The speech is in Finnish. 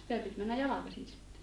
sitä piti mennä jalkaisin sitten